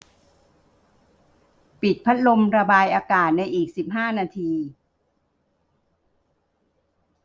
ปิดพัดลมระบายอากาศในอีกสิบห้านาที